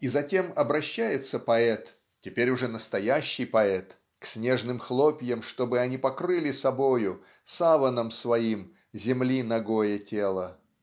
И затем обращается поэт (теперь уже настоящий поэт) к снежным хлопьям чтобы они покрыли собою саваном своим земли нагое тело